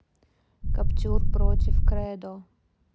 каптюр против кредо